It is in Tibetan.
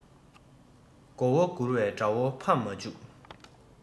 མགོ བོ བསྒུར བའི དགྲ བོ ཕམ མ བཅུག